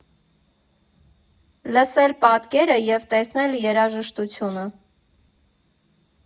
Լսել պատկերը և տեսնել երաժշտությունը.